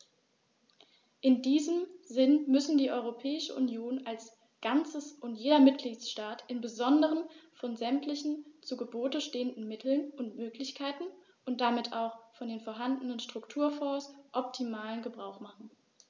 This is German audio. In diesem Sinne müssen die Europäische Union als Ganzes und jeder Mitgliedstaat im Besonderen von sämtlichen zu Gebote stehenden Mitteln und Möglichkeiten und damit auch von den vorhandenen Strukturfonds optimalen Gebrauch machen.